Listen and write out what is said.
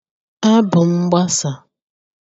abụmgbasà